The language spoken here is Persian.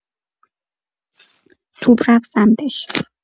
توپ رفت سمتش.